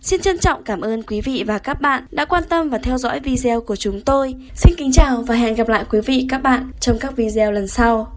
xin trân trọng cảm ơn quý vị và các bạn đã quan tâm và theo dõi video của chúng tôi xin kính chào và hẹn gặp lại quý vị các bạn trong các video lần sau